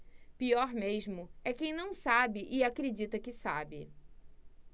pior mesmo é quem não sabe e acredita que sabe